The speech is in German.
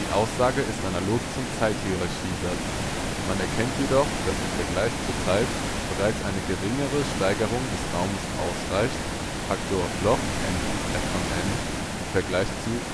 Aussage ist analog zum Zeithierarchiesatz. Man erkennt jedoch, dass im Vergleich zur Zeit bereits eine geringere Steigerung des Raumes ausreicht (Faktor log ⁡ (f (n)) {\ displaystyle \ log (f (n))} im Vergleich zu